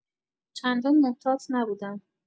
چندان محتاط نبودم.